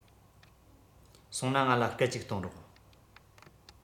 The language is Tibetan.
སོང ན ང ལ སྐད ཅིག གཏོང རོགས